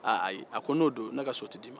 aaa ayi a ko n'o do ne ka so tɛ d'i ma